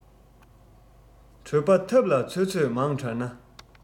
གྲོད པ ཐབ ལ ཚོད ཚོད མང དྲགས ན